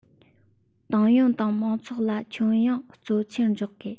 ཏང ཡོན དང མང ཚོགས ལ ཁྱོན ཡོངས གཙོ ཆེར འཇོག དགོས